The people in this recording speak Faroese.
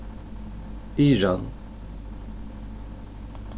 iran